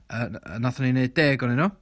Yy n- wnaethon ni wneud deg ohonyn nhw.